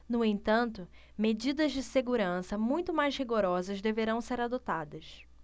no entanto medidas de segurança muito mais rigorosas deverão ser adotadas